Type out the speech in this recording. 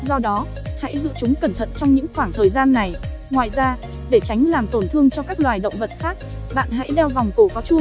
do đó hãy giữ chúng cẩn thận trong những khoảng thời gian này ngoài ra để tránh làm tổn thương cho các loài động vật khác bạn hãy đeo vòng cổ có chuông